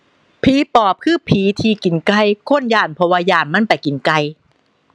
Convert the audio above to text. ผีปอบคือผีที่กินไก่ คนย้านเพราะว่าย้านมันไปกินไก่